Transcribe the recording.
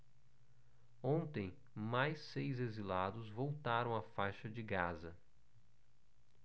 ontem mais seis exilados voltaram à faixa de gaza